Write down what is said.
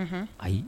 Ayi